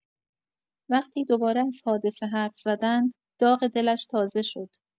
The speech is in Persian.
وقتی دوباره از حادثه حرف زدند، داغ دلش تازه شد.